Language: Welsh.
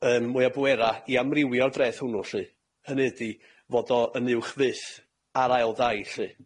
yym mwy o bwera' i amrywio'r dreth hwnnw lly, hynny ydi fod o yn uwch fyth ar ail dai lly.